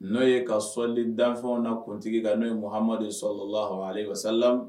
N'o ye ka sɔli danfa nakuntigi ka n'o ye muhamadu sɔ laha sa